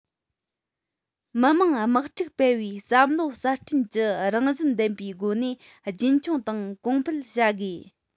མི དམངས དམག འཁྲུག སྤེལ བའི བསམ བློ གསར སྐྲུན གྱི རང བཞིན ལྡན པའི སྒོ ནས རྒྱུན འཁྱོངས དང གོང སྤེལ བྱ དགོས